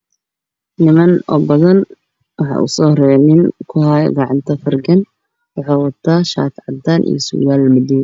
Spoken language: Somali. Niman oobadan wxaa usoo raray wxuu watada io sulwaal madow